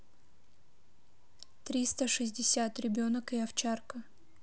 триста шестьдесят ребенок и овчарка